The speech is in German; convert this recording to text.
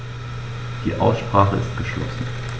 Die Aussprache ist geschlossen.